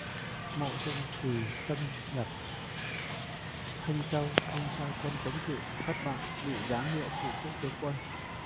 mộ dung thùy xâm nhập thanh châu ông sai quân chống cự thất bại bị giáng hiệu phụ quốc tướng quân